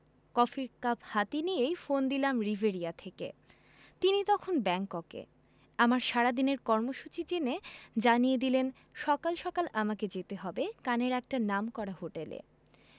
কফির কাপ হাতেই নিয়ে ফোন দিলাম রিভেরিয়া থেকে তিনি তখন ব্যাংককে আমার সারাদিনের কর্মসূচি জেনে জানিয়ে দিলেন সকাল সকাল আমাকে যেতে হবে কানের একটা নামকরা হোটেলে